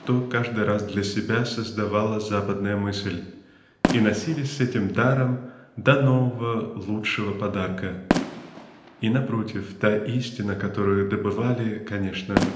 что каждый раз для себя создавала западная мысль и носились с этим даром до нового лучшего подарка. И напротив та истина которую добывали--конечно